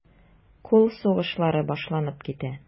Кул сугышлары башланып китә.